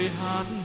tôi hát